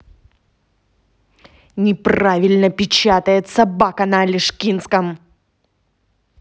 неправильно печатает собака на алешкинском